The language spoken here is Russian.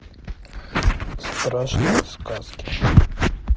страшные сказки